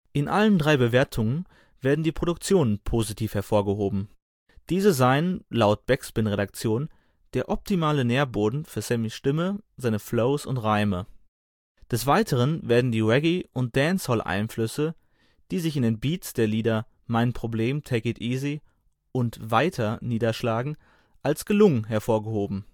In allen drei Bewertungen werden die Produktionen positiv hervorgehoben. Diese seien laut Backspin-Redaktion der optimale „ Nährboden “für „ Samys Stimme, seine Flows und Reime “. Des Weiteren werden die „ Reggae - und Dancehall-Einflüsse “, die sich in den Beats der Lieder Mein Problem (Take it easy) und Weiter niederschlagen, als gelungen hervorgehoben